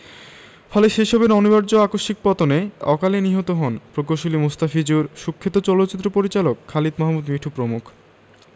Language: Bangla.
ফলে সে সবের অনিবার্য আকস্মিক পতনে অকালে নিহত হন প্রকৌশলী মোস্তাফিজুর সুখ্যাত চলচ্চিত্র পরিচালক খালিদ মাহমুদ মিঠু প্রমুখ